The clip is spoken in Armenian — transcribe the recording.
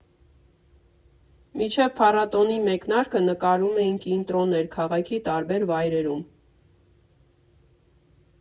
Մինչև փառատոնի մեկնարկը նկարում էինք ինտրոներ քաղաքի տարբեր վայրերում.